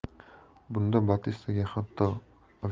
bunda batistaga hatto